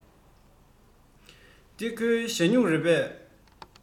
འདི ཁོའི ཞ སྨྱུག རེད པས